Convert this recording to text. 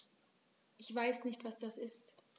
Ich weiß nicht, was das ist.